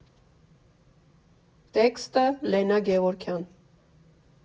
Տեքստ՝ Լենա Գևորգյան։